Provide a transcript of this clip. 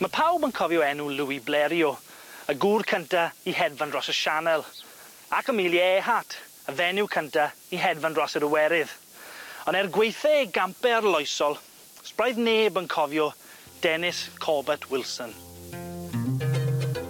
Ma' pawb yn cofio enw Louis Blériot y gŵr cynta i hedfan dros y sianel ac Amelia Earhart, y fenyw cynta i hedfan dros yr Iwerydd on' er gwaethe ei gampe arloesol, 's braidd neb yn cofio Dennis Corbet Wilson.